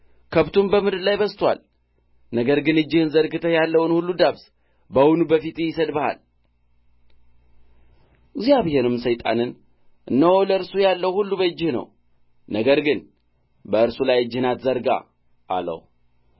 ከብቱም በምድር ላይ በዝቶአል ነገር ግን እጅህን ዘርግተህ ያለውን ሁሉ ዳብስ በእውነት በፊትህ ይሰድብሃል እግዚአብሔርም ሰይጣንን እነሆ ለእርሱ ያለው ሁሉ በእጅህ ነው ነገር ግን በእርሱ ላይ እጅህን አትዘርጋ አለው